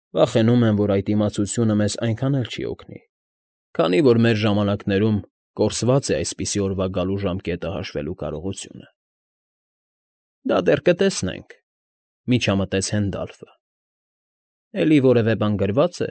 Վախենում եմ, որ այդ իմացությունը մեզ այդքան էլ չի օգնի, քանի որ մեր ժամանակներում կորսված է այդպիսի օրվա գալու ժամկետը հաշվելու կարողությունը։ ֊ Դա դեռ կտեսնենք,֊ միջամտեց Հենդալֆը։֊ Էլի որևէ բան գրվա՞ծ։